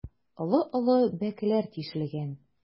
Олы-олы бәкеләр тишелгән.